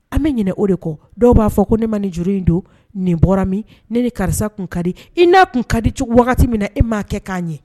An be ɲinɛ o de kɔ dɔw b'a fɔ ko ne ma nin juru in don nin bɔra min ne ni karisa kun kadi i n'a kun kadi cogo wagati min na e m'a kɛ ka ɲɛ